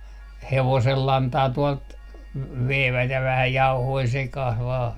hevosenlantaa tuolta veivät ja vähän jauhoja sekaan vain